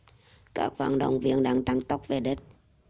các vận động viên đang tăng tốc về đích